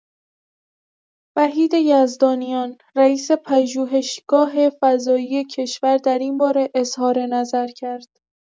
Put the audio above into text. وحید یزدانیان، رئیس پژوهشگاه فضایی کشور در این‌باره اظهار نظر کرد.